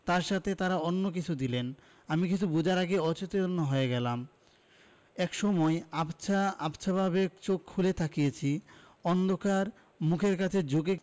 তার সাথে তারা অন্য কিছু দিলেন আমি কিছু বোঝার আগে অচেতন হয়ে গেলাম একসময় আবছা আবছাভাবে চোখ খুলে তাকিয়েছি অন্ধকার মুখের কাছে ঝুঁকে